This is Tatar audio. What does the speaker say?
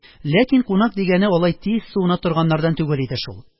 Ләкин «кунак» дигәне алай тиз суына торганнардан түгел иде шул